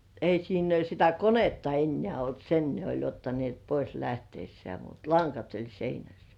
ei siinä ole sitä konetta enää ollut sen ne oli ottaneet pois lähtiessään mutta langat oli seinässä